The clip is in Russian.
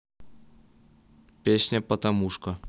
песня патамушка